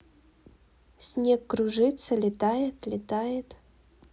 снег кружится летает летает